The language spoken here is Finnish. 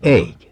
eikö